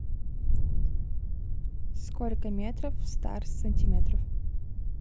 сколько метров в stars сантиметров